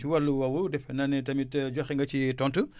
ci wàllu woowu defe naa ne tamit joxe nga ci tontu